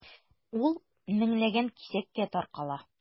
Ул меңләгән кисәккә таркала.